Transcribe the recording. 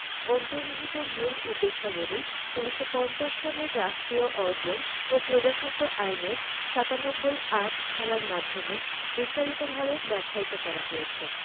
অন্তর্নিহিত মূল উদ্দেশ্যাবলী ১৯৫০ সনের রাষ্ট্রীয় অর্জন ও প্রজাস্বত্ব আইনের ৯৭ ৮ ধারার মাধ্যমে বিস্তারিতভাবে ব্যাখ্যায়িত করা হয়েছে